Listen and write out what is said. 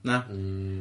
Na? Hmm.